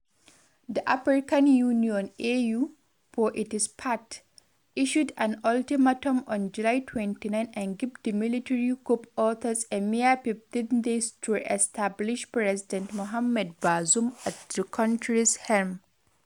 The African Union (AU), for its part, issued an ultimatum on July 29 and gave the military coup authors a mere 15 days to reestablish President Mohamed Bazoum at the country's helm.